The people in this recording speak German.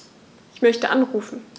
Ich möchte anrufen.